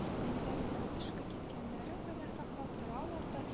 Әниләренең эшкә киткәннәрен генә саклап торалар да